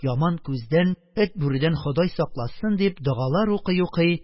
Яман күздән, эт-бүредән ходай сакласын, - дип, догалар укый-укый,